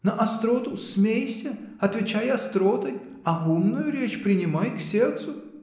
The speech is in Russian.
На остроту смейся, отвечай остротой, а умную речь принимай к сердцу.